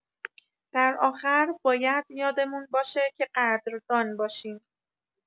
در آخر، باید یادمون باشه که قدردان باشیم.